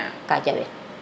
ka jawel